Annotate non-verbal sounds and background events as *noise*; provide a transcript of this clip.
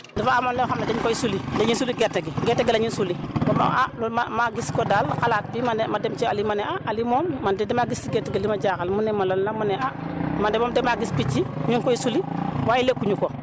dafa amoon *noise* loo xam ne dañ koy sulli dañuy sulli gerte gi gerte gi la ñuy sulli *noise* ba mu ah ma ma gis ko daal xalaat ci ma dem ci Aliou ma ne ah Aliou moom man de damaa gis gerte gi li ma ci jaaxaal mu ne ma lan la ma ne ah *noise* man de moom damaa gis picc *noise* ñu ni koy sulli waaye lekkuñu ko